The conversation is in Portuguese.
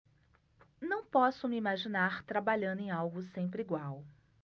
não posso me imaginar trabalhando em algo sempre igual